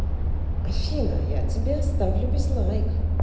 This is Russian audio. афина я тебе оставлю без like